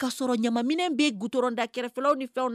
Ka sɔrɔ ɲamina bɛ g da kɛrɛfɛ ni